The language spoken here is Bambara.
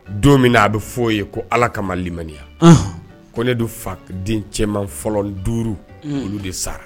Don min na a bɛ fɔ'o ye ko ala kama ma limya ko ne do fa den cɛman fɔlɔ duuru olu de sara